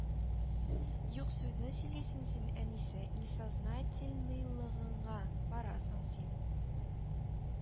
Юк сүзне сөйлисең син, әнисе, несознательныйлыгыңа барасың син